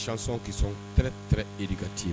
Sisɔnɔn kisɔn t tɛ e de kati